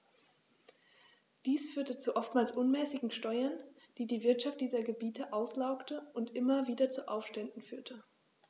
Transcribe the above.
Dies führte zu oftmals unmäßigen Steuern, die die Wirtschaft dieser Gebiete auslaugte und immer wieder zu Aufständen führte.